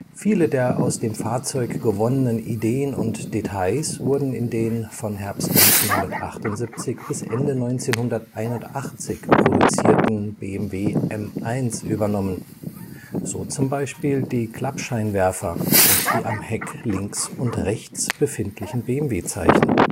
Viele der aus dem Fahrzeug gewonnenen Ideen und Details wurden in den von Herbst 1978 bis Ende 1981 produzierten BMW M1 übernommen, so zum Beispiel die Klappscheinwerfer und die am Heck links und rechts befindlichen BMW-Zeichen